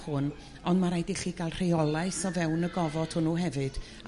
hwn ond ma' raid i chi gael rheolaeth o fewn y gofod hwnnw hefyd.